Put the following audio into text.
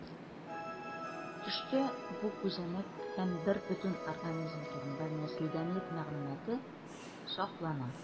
Төштә бу күзәнәк һәм бербөтен организм турында нәселдәнлек мәгълүматы саклана.